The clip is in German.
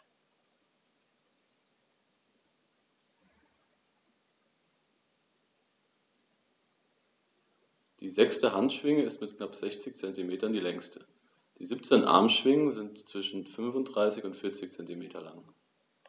Die sechste Handschwinge ist mit knapp 60 cm die längste. Die 17 Armschwingen sind zwischen 35 und 40 cm lang.